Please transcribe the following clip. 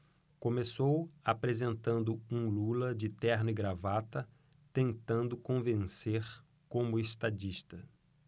começou apresentando um lula de terno e gravata tentando convencer como estadista